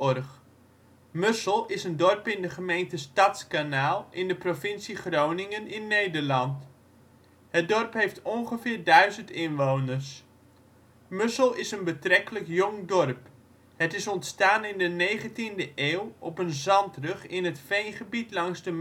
De Muzzel) is een dorp in de gemeente Stadskanaal in de provincie Groningen (Nederland). Het dorp heeft ongeveer 1.000 inwoners. Mussel is een betrekkelijk jong dorp. Het is ontstaan in de negentiende eeuw op een zandrug in het veengebied langs de